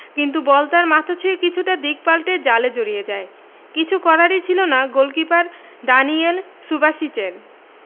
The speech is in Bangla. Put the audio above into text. কিন্তু বল তার মাথা ছুঁয়ে কিছুটা দিক পাল্টে জালে জড়িয়ে যায় কিছু করারই ছিল না গোলকিপার দানিয়েল সুবাসিচের